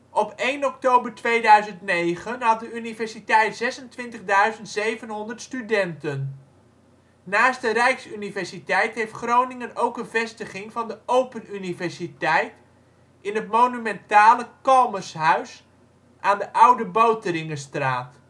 Op 1 oktober 2009 had de universiteit 26.700 studenten. Naast de Rijksuniversiteit heeft Groningen ook een vestiging van de Open Universiteit in het monumentale Calmershuis aan de Oude Boteringestraat